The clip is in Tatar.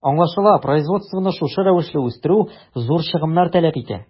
Аңлашыла, производствоны шушы рәвешле үстерү зур чыгымнар таләп итә.